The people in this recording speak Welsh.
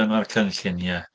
Dyna'r cynlluniau.